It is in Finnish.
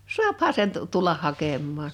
saahan sen - tulla hakemaan